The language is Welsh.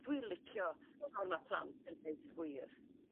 Dw i licio y ffor ma' plant yn deud y gwir.